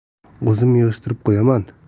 o'zim yig'ishtirib qo'yaman